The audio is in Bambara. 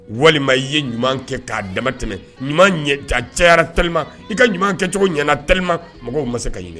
Walima i ye ɲuman kɛ k'a dama tɛmɛ ɲuman cayara tali i ka ɲuman kɛcogo ɲɛna tali mɔgɔw ma se ka ɲini